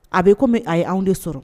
A' kɔmi a ye anw de sɔrɔ